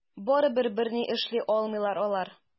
Барыбер берни эшли алмыйлар алар.